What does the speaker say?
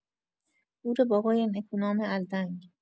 گور بابای نکونام الدنگ